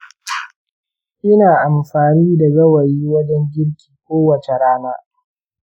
ina amfani da gawayi wajen girki kowace rana.